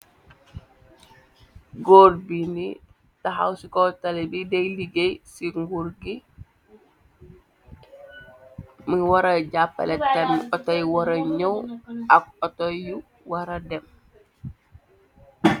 Góor bi ni, tahaw ci kaw tali bi. Dayè ligè ci gurr gi, mu wara japalè tamit auto yu wara nëwu ak auto yu wara dem.